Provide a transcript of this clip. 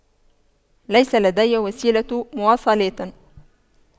ليس لدي وسيلة مواصلات